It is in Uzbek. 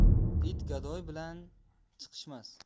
it gadoy bilan chiqishmas